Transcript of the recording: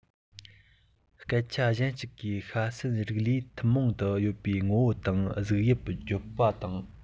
སྐད ཆ གཞན གཅིག གིས ཤ ཟན རིགས ལ ཐུན མོང དུ ཡོད པའི ངོ བོ དང གཟུགས དབྱིབས བརྗོད པ དང